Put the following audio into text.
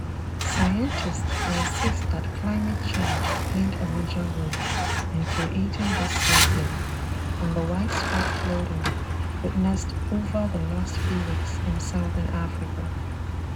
Scientists insist that climate change played a major role in creating this cyclone and the widespread flooding witnessed over the last few weeks in southern Africa.